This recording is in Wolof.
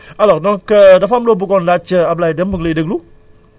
alors donc dafa am loo buggoon laaj Abdoulaye Deme mu ngi lay déglu